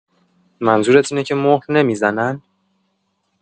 منظورت اینه که مهر نمی‌زنن؟